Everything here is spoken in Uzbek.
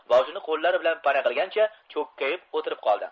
boshini qo'llari bilan pana qilgancha cho'kkalab o'tirib qoldi